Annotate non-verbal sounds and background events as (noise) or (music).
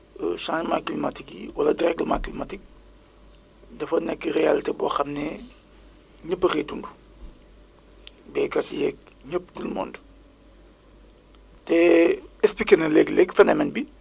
(hesitation) changement climatique yi wala dérèglement climatique dafa nekk réalité boo xam ne ñëpp a koy dund béykat yeeg ñëpp tout le monde te expliqué na léegi léegi phénomène bi